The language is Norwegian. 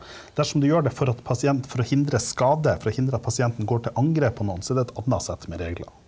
dersom du gjør det for at for å hindre skade, for å hindre at pasienten går til angrep på noen, så er det et anna sett med regler.